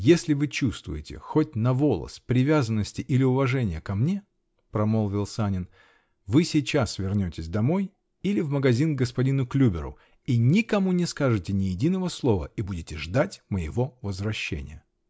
-- Если вы чувствуете хоть на волос привязанности или уважения ко мне, -- промолвил Санин, -- вы сейчас вернетесь домой или в магазин к господину Клюберу, и никому не скажете ни единого слова, и будете ждать моего возвращения!